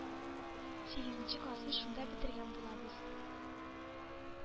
Сигезенче классны шунда бетергән булабыз.